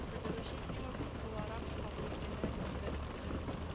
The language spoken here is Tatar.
Белдерүче символ буларак кабул ителәдер дә